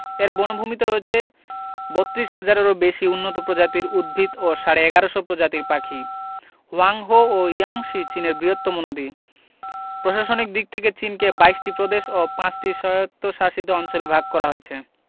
এর বনভূমিতে রয়েছে ৩২ হাজারেরও বেশি উন্নত প্রজাতির উদ্ভিত ও সাড়ে ১১শ প্রজাতির পাখি হোয়াংহো ও ইয়াংসি চীনের বৃহত্তম নদী প্রশাসনিক দিক থেকে চিনকে ২২ টি প্রদেশ ও ৫ টি স্বয়ত্তশাসিত অঞ্চলে ভাগ করা হয়েছে